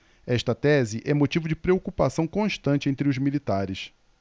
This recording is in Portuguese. esta tese é motivo de preocupação constante entre os militares